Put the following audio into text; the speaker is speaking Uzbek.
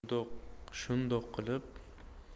shundoq qilib